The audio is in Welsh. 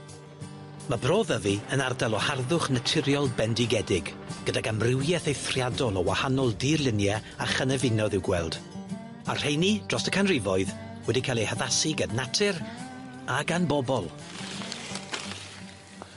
Ma' Bro Ddyfi yn ardal o harddwch naturiol bendigedig, gydag amrywieth eithriadol o wahanol dirlunie a chynefino'dd i'w gweld, a rheini drost y canrifoedd wedi cael eu haddasu gan natur a gan bobol.